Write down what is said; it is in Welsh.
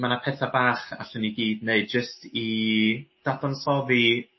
ma' 'na petha bach allwn ni gyd neud jyst i dadansoddi